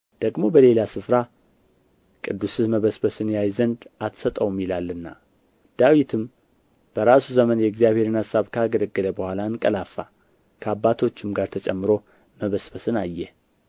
ደግሞ በሌላ ስፍራ ቅዱስህን መበስበስን ያይ ዘንድ አትሰጠውም ይላልና ዳዊትም በራሱ ዘመን የእግዚአብሔርን አሳብ ካገለገለ በኋላ አንቀላፋ ከአባቶቹም ጋር ተጨምሮ መበስበስን አየ